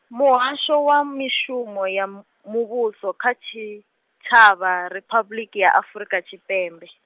Muhasho wa Mishumo ya M- Muvhuso kha Tshitshavha Riphabuḽiki ya Afrika Tshipembe.